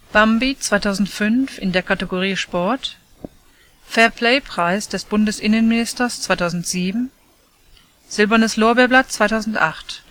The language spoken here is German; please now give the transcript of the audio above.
Bambi 2005 in der Kategorie Sport Fair-Play-Preis des Bundesinnenministers 2007 Silbernes Lorbeerblatt 2008